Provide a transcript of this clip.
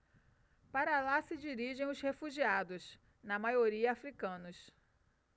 para lá se dirigem os refugiados na maioria hútus